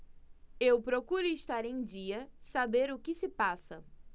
eu procuro estar em dia saber o que se passa